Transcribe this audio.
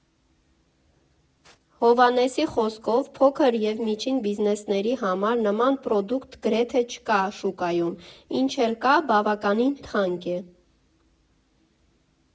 Հովհաննեսի խոսքով՝ փոքր ևմիջին բիզնեսների համար նման պրոդուկտ գրեթե չկա շուկայում, ինչ էլ կա՝ բավականին թանկ է։